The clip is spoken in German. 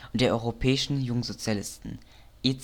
der Europäischen Jungsozialisten ECOSY